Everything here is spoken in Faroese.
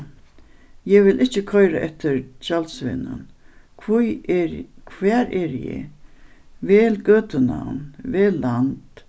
eg vil ikki koyra eftir gjaldsvegnum hví eri hvar eri eg vel gøtunavn vel land